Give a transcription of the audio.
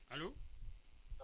allo